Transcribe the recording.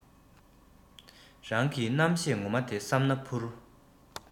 རང གི རྣམ ཤེས ངོ མ དེ བསམ ན འཕུར